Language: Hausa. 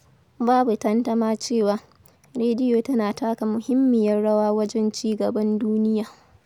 Babu tantama cewa, rediyo tana taka muhimmiyar rawa wajen cigaban duniya.